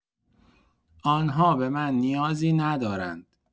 آن‌ها به من نیازی ندارند.